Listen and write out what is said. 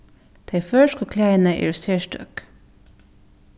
tey føroysku klæðini eru serstøk